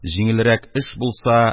Җиңелрәк эш булса,